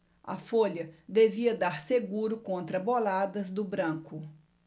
a folha devia dar seguro contra boladas do branco